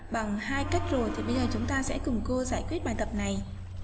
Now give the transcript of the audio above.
bằng hai cách rồi thì bây giờ chúng ta sẽ cùng cơ giải quyết bài tập này